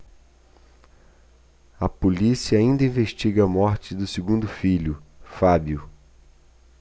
a polícia ainda investiga a morte do segundo filho fábio